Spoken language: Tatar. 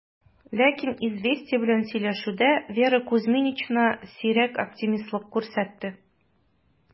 Ләкин "Известия" белән сөйләшүдә Вера Кузьминична сирәк оптимистлык күрсәтте: